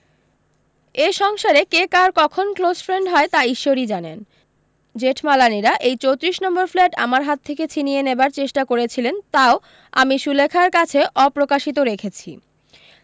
এ সংসারে কে কার কখন ক্লোজ ফ্রেন্ড হয় তা ঈশ্বরেই জানেন জেঠমালানিরা এই চোত্রিশ নম্বর ফ্ল্যাট আমার হাত থেকে ছিনিয়ে নেবার চেষ্টা করেছিলেন তাও আমি সুলেখার কাছে অপ্রকাশিত রেখেছি